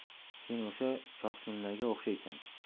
sen o'sha choqsunla ga o'xshaysan